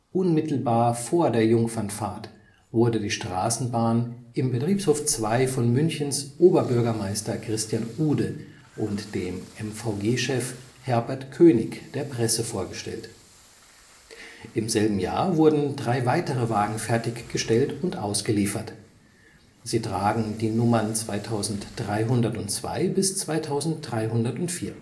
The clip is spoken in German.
Unmittelbar vor der Jungfernfahrt wurde die Straßenbahn im Betriebshof 2 von Münchens Oberbürgermeister Christian Ude und dem MVG-Chef Herbert König der Presse vorgestellt. Im selben Jahr wurden drei weitere Wagen fertiggestellt und ausgeliefert. Sie tragen die Nummern 2302 bis 2304